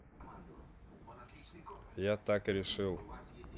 я так решил